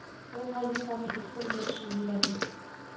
Аннары аяк тыпырдату, сызгырыш башланды.